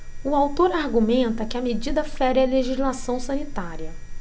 o autor argumenta que a medida fere a legislação sanitária